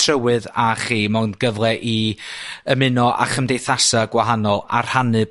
trywydd â chi ma' o'n gyfle i ymuno a chymdeithase gwahanol a rhannu